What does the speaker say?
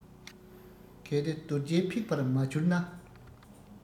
གལ ཏེ རྡོ རྗེས ཕིགས པར མ གྱུར ན